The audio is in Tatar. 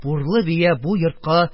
Бурлы бия бу йортка